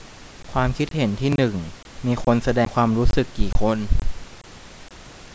ความคิดเห็นที่หนึ่งมีคนแสดงความรู้สึกกี่คน